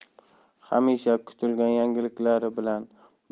hamisha kutilgan yangiliklari bilan barchani